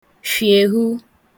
fhèhu